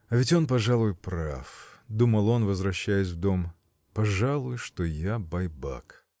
"А ведь он, пожалуй, прав, -- думал он, возвращаясь в дом, -- пожалуй что я байбак".